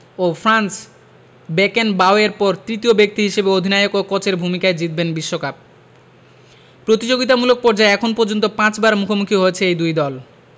ও Franz Beckenbauer এর পর তৃতীয় ব্যক্তি হিসেবে অধিনায়ক ও কোচের ভূমিকায় জিতবেন বিশ্বকাপ প্রতিযোগিতামূলক পর্যায়ে এখন পর্যন্ত পাঁচবার মুখোমুখি হয়েছে এই দুই দল